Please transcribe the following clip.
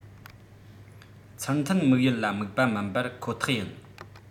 ཚུལ མཐུན དམིགས ཡུལ ལ དམིགས པ མིན པར ཁོ ཐག ཡིན